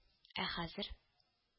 — ә хәзер